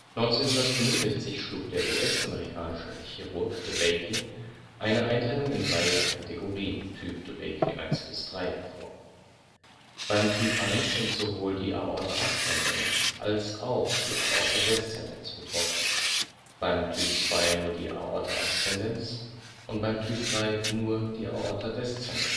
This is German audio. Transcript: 1965 schlug der US-amerikanische Chirurg DeBakey eine Einteilung in drei Kategorien (Typ DeBakey I bis III) vor. Beim Typ I sind sowohl die Aorta ascendens als auch die Aorta descendens betroffen, beim Typ II nur die Aorta ascendens und beim Typ III nur die Aorta descendens